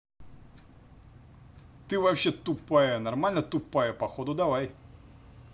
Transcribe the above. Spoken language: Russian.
ты вообще тупая нормально тупая походу давай